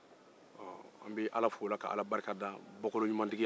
an bɛ ala fo ka ala barika da bɔkoloɲumantigiya la